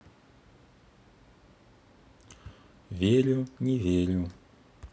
верю не верю